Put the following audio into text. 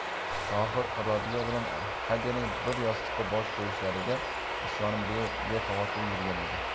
tohir robiya bilan hademay bir yostiqqa bosh qo'yishlariga ishonib bexavotir yurgan edi